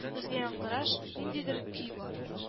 Үзгә яңгыраш, ниндидер көй бар